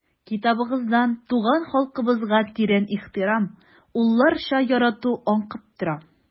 Китабыгыздан туган халкыбызга тирән ихтирам, улларча ярату аңкып тора.